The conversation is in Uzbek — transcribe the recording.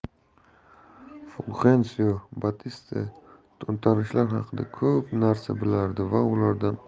fulxensio batista to'ntarishlar haqida ko'p narsa bilardi